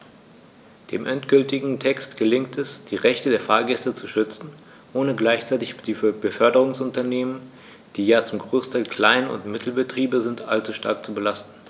Dem endgültigen Text gelingt es, die Rechte der Fahrgäste zu schützen, ohne gleichzeitig die Beförderungsunternehmen - die ja zum Großteil Klein- und Mittelbetriebe sind - allzu stark zu belasten.